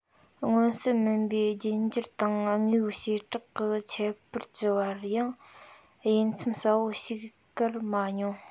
མངོན གསལ མིན པའི རྒྱུད འགྱུར དང དངོས པོའི བྱེ བྲག གི ཁྱད པར གྱི བར ཡང དབྱེ མཚམས གསལ པོ ཞིག བཀར མ མྱོང